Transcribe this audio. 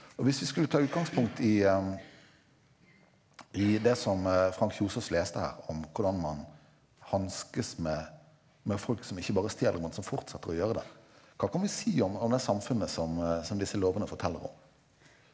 og hvis vi skulle ta utgangspunkt i i det som Frank Kjosås leste her om hvordan man hanskes med med folk som ikke bare stjeler men som fortsetter å gjøre det, hva kan vi si om om det samfunnet som som disse lovene forteller om?